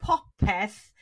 popeth